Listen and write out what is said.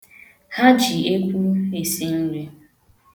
Ha ji ekwu esi nri.